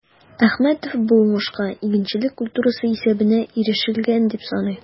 Әхмәтов бу уңышка игенчелек культурасы исәбенә ирешелгән дип саный.